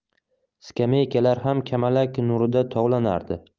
skameykalar ham kamalak nurida tovlanardi